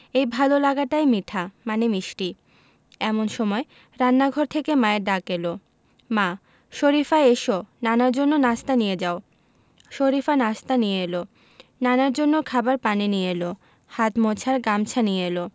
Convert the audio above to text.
এই ভালো লাগাটাই মিঠা মানে মিষ্টি এমন সময় রান্নাঘর থেকে মায়ের ডাক এলো মা শরিফা এসো নানার জন্য নাশতা নিয়ে যাও শরিফা নাশতা নিয়ে এলো নানার জন্য খাবার পানি নিয়ে এলো হাত মোছার গামছা নিয়ে এলো